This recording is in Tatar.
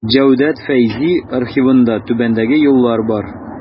Җәүдәт Фәйзи архивында түбәндәге юллар бар.